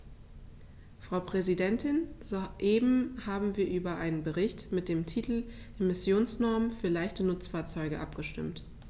Frau Präsidentin, soeben haben wir über einen Bericht mit dem Titel "Emissionsnormen für leichte Nutzfahrzeuge" abgestimmt.